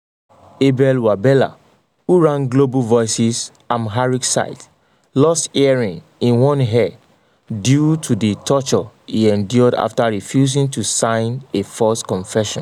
Abel Wabella, who ran Global Voices’ Amharic site, lost hearing in one ear due to the torture he endured after refusing to sign a false confession.